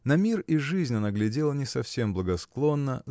На мир и жизнь она глядела не совсем благосклонно